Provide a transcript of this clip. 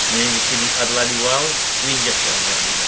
Mae e'n gallu n- adeiladu wal, dwi'n gallu adeiladu wal.